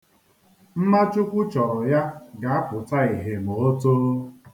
Mma Chukwu chọrọ ya ga-apụta ihie ma o too.